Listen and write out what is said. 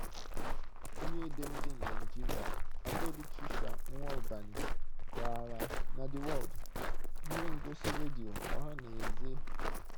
Onye edemede Naịjirịa Adaobi Tricia Nwaubani kọwara na The World, ihe ngosi redio ọha na eze nke BBC jikọrọ aka mepụta, na "onyinyo nwoke siri ike" nke Trump na-akpali mmasị na mba kachasị nwee ọnụ ọgụgụ mmadụ n'Africa: